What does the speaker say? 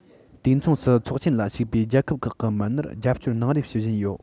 དུས མཚུངས སུ ཚོགས ཆེན ལ ཞུགས པའི རྒྱལ ཁབ ཁག གི མི སྣར རྒྱབ སྐྱོར གནང རེ ཞུ བཞིན ཡོད